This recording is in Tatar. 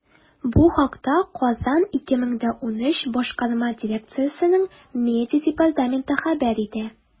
Бу хакта “Казан 2013” башкарма дирекциясенең медиа департаменты хәбәр итә.